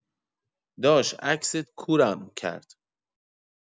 داش عکست کورم کرد